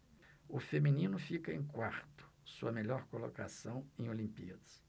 o feminino fica em quarto sua melhor colocação em olimpíadas